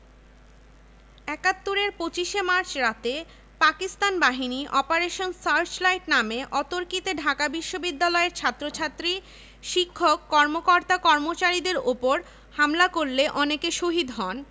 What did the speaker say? ৭১ এর ২৫ মার্চ রাতে পাকিস্তান বাহিনী অপারেশন সার্চলাইট নামে অতর্কিতে ঢাকা বিশ্ববিদ্যালয়ের ছাত্রছাত্রী শিক্ষক কর্মকর্তা কর্মচারীদের উপর হামলা করলে অনেকে শহীদ হন